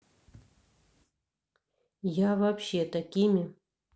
я вообще такими